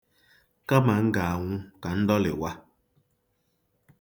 Kama m ga-anwụ ka m dọlịwa.